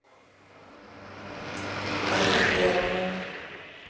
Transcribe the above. это первую